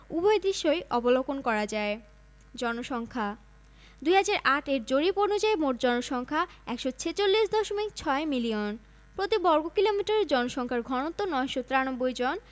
বাংলদেশ পলল গঠিত একটি আর্দ্র অঞ্চল বাংলাদেশের ভূখন্ড মূলত গঙ্গা ব্রহ্মপুত্র মেঘনা নদীগঠিত সুবৃহৎ বদ্বীপের সমন্বয়ে সৃষ্ট বঙ্গীয় বদ্বীপ পৃথিবীর সর্ববৃহৎ বদ্বীপগুলোর একটি